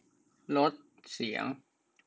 ลดเสียง